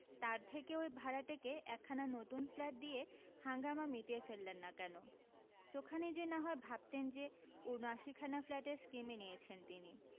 তার থেকে ওই ভাড়াটেকে একখানা নতুন ফ্ল্যাট দিয়ে হাঙ্গামা মিটিয়ে ফেললেন না কেন চোখানিজী না হয় ভাবতেন যে উঁনআশিখানা ফ্ল্যাটের স্কীমই নিয়েছেন তিনি